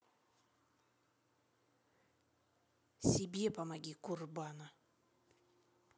себе помоги курбана